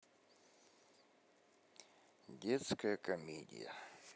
детская комедия